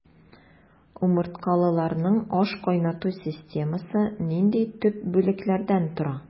Умырткалыларның ашкайнату системасы нинди төп бүлекләрдән тора?